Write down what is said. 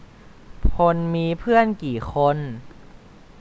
พลมีเพื่อนกี่คน